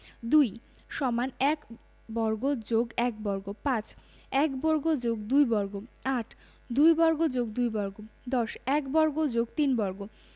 ২ = ১ বর্গ + ১ বর্গ ৫ ১ বর্গ + ২ বর্গ ৮ ২ বর্গ + ২ বর্গ ১০ ১ বর্গ + ৩ বর্গ